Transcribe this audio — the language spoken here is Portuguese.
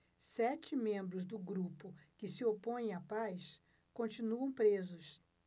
sete membros do grupo que se opõe à paz continuam presos